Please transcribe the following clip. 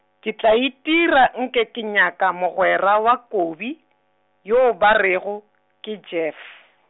ke tla itira nke ke nyaka mogwera wa Kobi, yo ba rego, ke Jeff.